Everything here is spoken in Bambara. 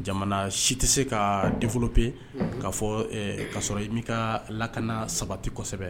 Jamana si tɛ se ka développer unhun, k'a fɔ ɛɛ ka sɔrɔ i nm'i ka lakana sabati kosɛbɛ